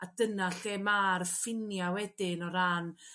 a dyna lle mae'r ffinia' wedyn o ran